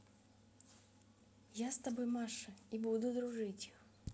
я с тобой masha и буду дружить